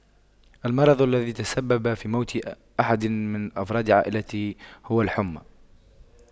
المرض الذي تسبب في موت أحد من أفراد عائلتي هو الحمى